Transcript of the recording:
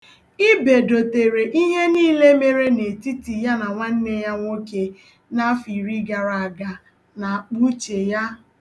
Ibe dotere ihe niile mere n'etiti ya na nwanne ya nwoke na afọ iri gara aga n'akpauche ya.